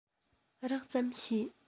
རགས ཙམ ཤེས